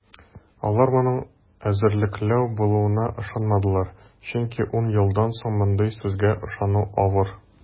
Алар моның эзәрлекләү булуына ышанмадылар, чөнки ун елдан соң мондый сүзгә ышану авыр.